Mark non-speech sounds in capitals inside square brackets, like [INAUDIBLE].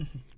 [HESITATION] [HESITATION]